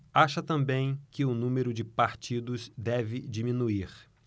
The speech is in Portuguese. acha também que o número de partidos deve diminuir